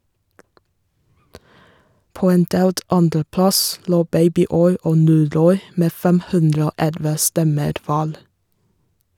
På en delt andreplass lå "Babyoil" og "Noroil" med 511 stemmer hver.